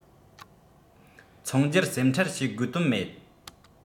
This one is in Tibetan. འཚོང རྒྱུར སེམས ཁྲལ བྱེད དགོས དོན མེད